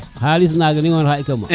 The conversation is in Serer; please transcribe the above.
xalis naga ando na o xaƴ kama